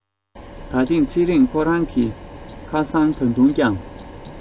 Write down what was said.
ད ཐེངས ཚེ རིང ཁོ རང གི ཁ སང ད དུང ཀྱང